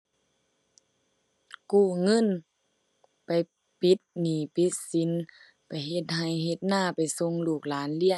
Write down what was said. กู้เงิน ไปปิดหนี้ปิดสิน ไปเฮ็ดไร่เฮ็ดนา ไปส่งลูกหลานเรียน